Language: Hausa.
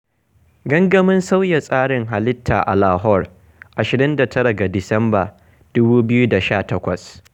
Gangamin Sauya Tsarin Halitta a Lahore, 29 ga Disamba, 2018.